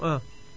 waa